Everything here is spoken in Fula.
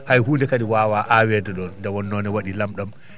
hay huunde kadi waawaa aaweede ɗoon nde wonnoo ne waɗi lamɗam